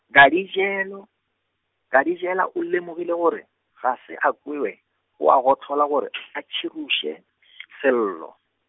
Kadijelo, Kadijela o lemogile gore, ga se a kwewe, oa gohlola gore , a tširoše , Sello.